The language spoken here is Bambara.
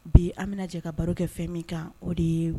Bi an bɛna jɛ ka baro kɛ fɛn min kan o de ye